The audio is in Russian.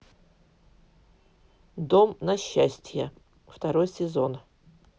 дом на счастье второй сезон